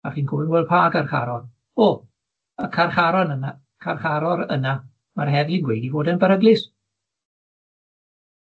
a chi'n clwed wel pa garcharor, o, y carcharor yna carcharor yna, ma'r heddlu'n gweud 'i fod e'n beryglus,